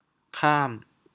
ข้าม